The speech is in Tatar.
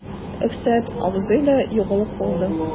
Әхсән абзый да югалып калды.